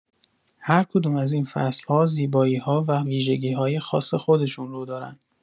هر کدوم از این فصل‌ها زیبایی‌ها و ویژگی‌های خاص خودشون رو دارن.